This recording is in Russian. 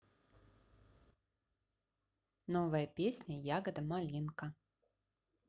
новая песня ягодка малинка